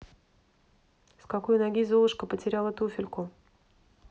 с какой ноги золушка потеряла туфельку